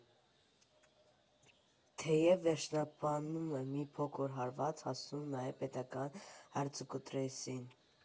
Թեև վերջաբանում մի փոքր հարված է հասցվում նաև պետական Հայձուկտրեստին։